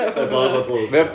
heblaw am y blowjob...